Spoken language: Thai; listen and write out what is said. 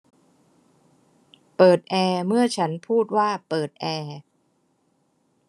เปิดแอร์เมื่อฉันพูดว่าเปิดแอร์